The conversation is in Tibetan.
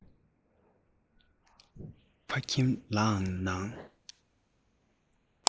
ཕ ཁྱིམ ལའང ནང